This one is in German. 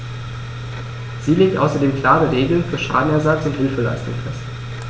Sie legt außerdem klare Regeln für Schadenersatz und Hilfeleistung fest.